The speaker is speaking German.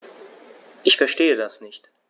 Ich verstehe das nicht.